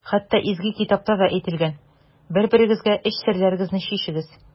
Хәтта Изге китапта да әйтелгән: «Бер-берегезгә эч серләрегезне чишегез».